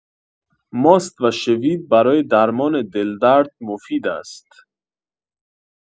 ماست و شوید برای درمان دل‌درد مفید است